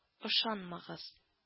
Ышанмагыз